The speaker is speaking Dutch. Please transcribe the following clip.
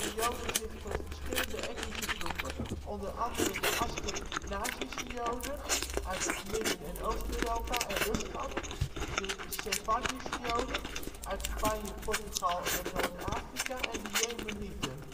joden zich tot verschillende etnische groepen — onder andere de Asjkenazische joden (uit Midden - en Oost-Europa en Rusland); de Sephardische joden (uit Spanje, Portugal en Noord-Afrika) en de Jemenieten